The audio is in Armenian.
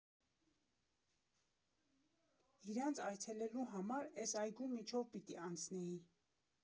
Իրանց այցելելու համար էս այգու մեջով պիտի անցնեի։